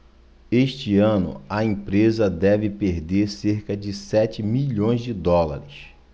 este ano a empresa deve perder cerca de sete milhões de dólares